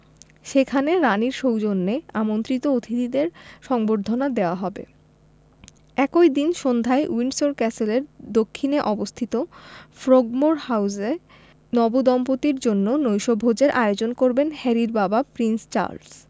সেখানে রানির সৌজন্যে আমন্ত্রিত অতিথিদের সংবর্ধনা দেওয়া হবে একই দিন সন্ধ্যায় উইন্ডসর ক্যাসেলের দক্ষিণে অবস্থিত ফ্রোগমোর হাউসে নবদম্পতির জন্য নৈশভোজের আয়োজন করবেন হ্যারির বাবা প্রিন্স চার্লস